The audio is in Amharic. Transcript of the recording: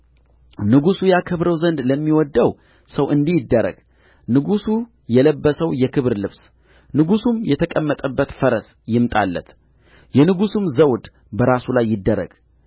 ንጉሡ ያከብረው ዘንድ ለሚወድደው ሰው እንዲህ ይደረግ ንጉሡ የለበሰው የክብር ልብስ ንጉሡም የተቀመጠበት ፈረስ ይምጣለት የንጉሡም ዘውድ በራሱ ላይ ይደረግ